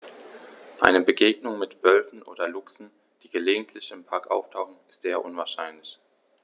Eine Begegnung mit Wölfen oder Luchsen, die gelegentlich im Park auftauchen, ist eher unwahrscheinlich.